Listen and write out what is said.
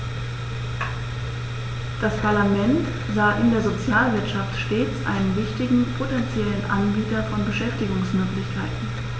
Das Parlament sah in der Sozialwirtschaft stets einen wichtigen potentiellen Anbieter von Beschäftigungsmöglichkeiten.